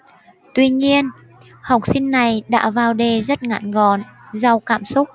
tuy nhiên học sinh này đã vào đề rất ngắn gọn giàu cảm xúc